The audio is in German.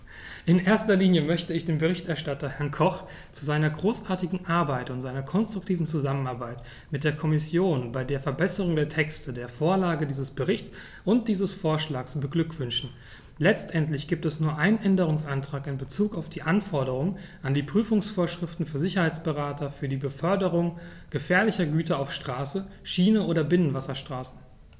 In erster Linie möchte ich den Berichterstatter, Herrn Koch, zu seiner großartigen Arbeit und seiner konstruktiven Zusammenarbeit mit der Kommission bei der Verbesserung der Texte, der Vorlage dieses Berichts und dieses Vorschlags beglückwünschen; letztendlich gibt es nur einen Änderungsantrag in bezug auf die Anforderungen an die Prüfungsvorschriften für Sicherheitsberater für die Beförderung gefährlicher Güter auf Straße, Schiene oder Binnenwasserstraßen.